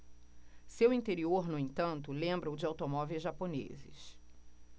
seu interior no entanto lembra o de automóveis japoneses